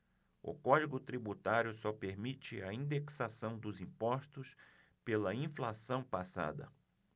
o código tributário só permite a indexação dos impostos pela inflação passada